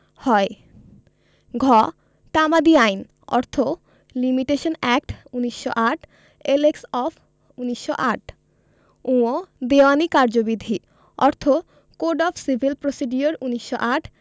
হয় ঘ তামাদি আইন অর্থ limitation act ১৯০৮ L X of ১৯০৮ ঙ দেওয়ানী কার্যবিধি অর্থ কোড অফ সিভিল প্রসিডিওর ১৯০৮